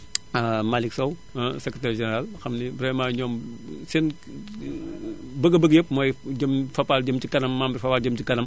Malick Sow secrétaire gñéral xam ni vraiment ñoom seen bëgg bëgg yépp mooy jëm Fapal jëm ci kanam membres Fapal jëm ci kanam